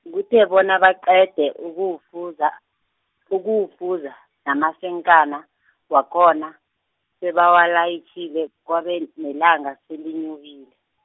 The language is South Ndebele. kuthe bona baqede ukuwufuza, ukuwufuza, namasenkana, wakhona, sebawalayitjhile kwabe n- nelanga selenyukile.